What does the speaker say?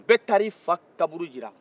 bɛɛ taara i fa kaburu jira